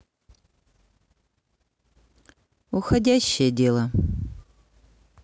уходящее дело